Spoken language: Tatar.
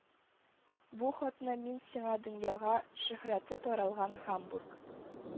Бу хатны мин сиңа дөньяга шөһрәте таралган Һамбург